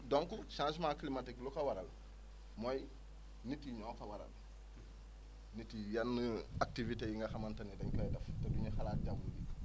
donc changement climatique lu ko waral mooy nit ñi ñoo ko waral nit yi yenn activités yi nga xamante ni dañ koy def te du ñu xalaat jaww ji